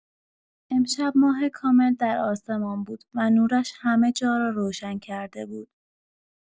امشب ماه کامل در آسمان بود و نورش همه جا را روشن کرده بود.